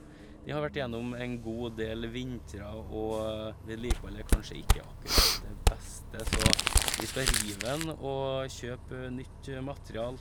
Den har vært gjennom en god del vintre og vedlikeholdet er kanskje ikke akkurat det beste, så vi skal rive den og kjøpe nytt materiale.